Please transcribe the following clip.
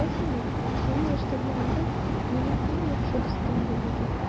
Беләсеңме, синең яшьтә булганда, минем иң яхшы дустым юк иде.